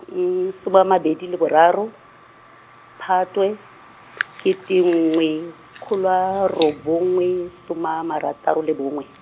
soma a mabedi le boraro, Phatwe, kete nngwe, kgolo a robongwe, soma a marataro le bongwe.